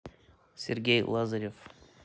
сергей лазарев